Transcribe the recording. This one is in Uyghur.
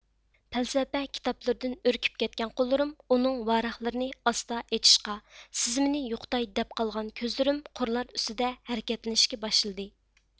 پەلسەپە كىتابلىرىدىن ئۈركۈپ كەتكەن قوللىرىم ئۇنىڭ ۋاراقلىرىنى ئاستا ئېچىشقا سېزىمىنى يوقىتاي دەپ قالغان كۆزلىرىم قۇرلار ئۈستىدە ھەرىكەتلىنىشكە باشلىدى